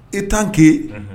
E' k kee